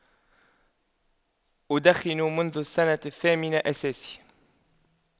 أدخن منذ السنة الثامنة أساسي